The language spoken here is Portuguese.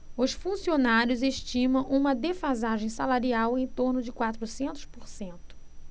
os funcionários estimam uma defasagem salarial em torno de quatrocentos por cento